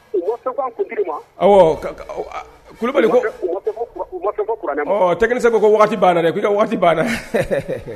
O ma fɛn fɔ a copie de ma; awɔ; a a;Kulibali ; o ma fɛn fɔ Kurana ma; awɔ technicien ko i ka waati banna dɛ.